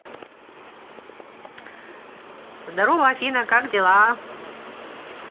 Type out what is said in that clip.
здорово афина как дела